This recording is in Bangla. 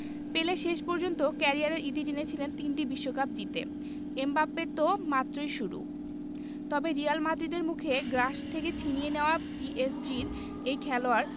পেলে শেষ পর্যন্ত ক্যারিয়ারের ইতি টেনেছিলেন তিনটি বিশ্বকাপ জিতে এমবাপ্পের এ তো মাত্রই শুরু তবে রিয়াল মাদ্রিদের মুখে গ্রাস থেকে ছিনিয়ে নেওয়া পিএসজির এই খেলোয়াড়